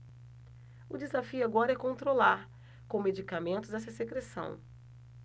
o desafio agora é controlar com medicamentos essa secreção